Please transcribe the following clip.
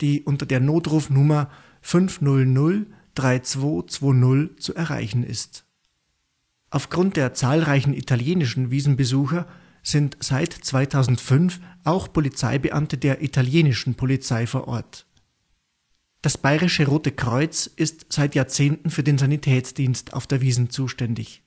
die unter der Notrufnummer 5003220 zu erreichen ist. Auf Grund der zahlreichen italienischen Wiesnbesucher sind seit 2005 auch Polizeibeamte der italienischen Polizei vor Ort. Das Bayerische Rote Kreuz ist seit Jahrzehnten für den Sanitätsdienst auf der Wiesn zuständig